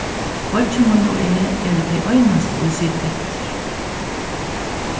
beiggi mín og eg eru tey einastu ið sita eftir